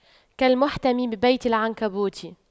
كالمحتمي ببيت العنكبوت